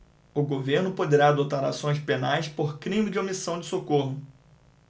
o governo poderá adotar ações penais por crime de omissão de socorro